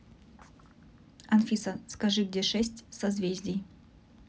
анфиса скажи мне шесть созвездий